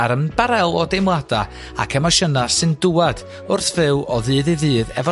a'r ymbarél o deimlada' ac emosiynau sy'n dŵad wrth fyw o ddydd i ddydd efo'r